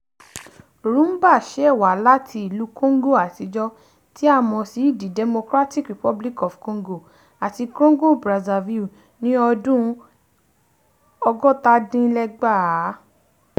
Rhumba ṣẹ̀ wá láti ìlú Kongo àtijọ́ tí a mọ̀ sí The Democratic Republic of Congo àti Congo-Brazaville ní àwọn ọdún 1940.